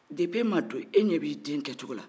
depuis e ma don e ɲɛ b'i den kɛ cogo la